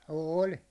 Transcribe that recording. oli